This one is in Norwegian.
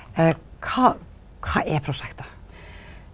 kva kva er prosjektet?